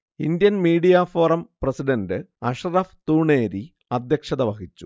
Indian Media Forum president Ashraf Thooneri അധ്യക്ഷത വഹിച്ചു